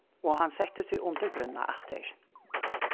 og hann setti seg undir brúnna aftur